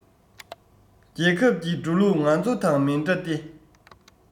རྒྱལ ཁབ ཀྱི འགྲོ ལུགས ང ཚོ དང མི འདྲ སྟེ